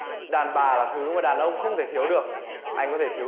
đàn bà là thứ mà đàn ông không thể thiếu được anh có thể thiếu